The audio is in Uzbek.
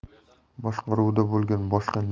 boshqaruvida bo'lgan boshqa